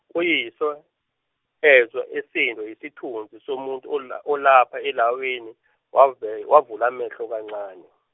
uyise, ezwa esindwa yisithunzi somuntu ola- olapha elawini wavula amehlo kancane.